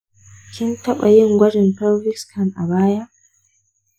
kin taɓa yin gwajin pelvic scan a baya?